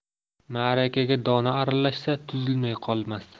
ma'rakaga dono aralashsa tuzilmay qolmas